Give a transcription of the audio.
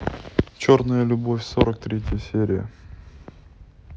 черная любовь сорок третья серия